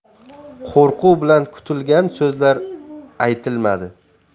qo'rquv bilan kutilgan so'zlar aytilmadi